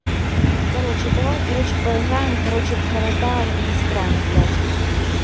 короче давай короче поиграем короче в города и страны блядь